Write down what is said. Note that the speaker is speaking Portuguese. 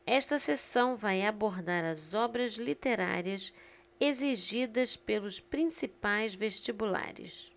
esta seção vai abordar as obras literárias exigidas pelos principais vestibulares